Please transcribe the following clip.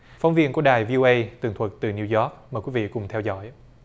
phóng viên của đài vi o ây tường thuật từ niu róc mời quý vị cùng theo dõi